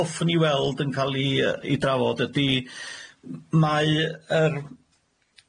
hoffwn i weld yn cal 'i y- i drafod ydi m- mae yr